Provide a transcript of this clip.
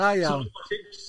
Da iawn!